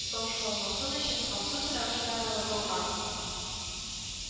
Таушалмасын өчен, махсус рәвештә ныгытылган